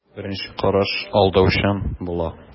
Беренче караш алдаучан була.